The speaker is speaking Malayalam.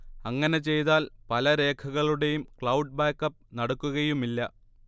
അങ്ങനെ ചെയ്താൽ പല രേഖകളുടെയും ക്ലൗഡ് ബാക്ക്അപ്പ് നടക്കുകയുമില്ല